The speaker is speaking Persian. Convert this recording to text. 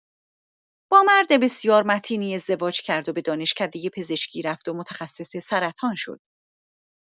با مرد بسیار متینی ازدواج کرد و به دانشکده پزشکی رفت و متخصص سرطان شد.